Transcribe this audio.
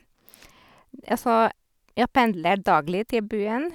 Ja, så jeg pendler daglig til byen.